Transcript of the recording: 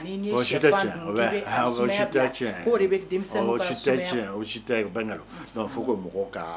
U ko mɔgɔ